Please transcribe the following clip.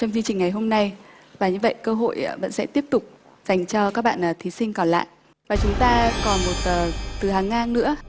trong chương trình ngày hôm nay và như vậy cơ hội vẫn sẽ tiếp tục dành cho các bạn là thí sinh còn lại và chúng ta còn một ờ từ hàng ngang nữa